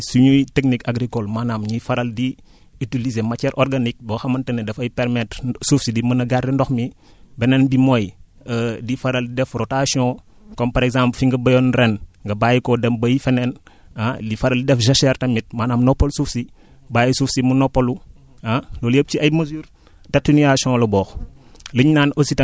beneen mbir mi mooy suñuy techniques agricoles maanaam ñiy faral di utiliser matière organique boo xamante ne dafay permettre suuf si di mën a garder ndox mi beneen bi mooy di di faral di def rotation comme par exemple fi nga bayoon ren nga bàyyi ko dem bay i feneen ah di faral di def jachère tamit maanaam noppal suuf si bàyyi suuf si mu noppalu ah loolu yépp ci ay mesures d' aténuation la bokk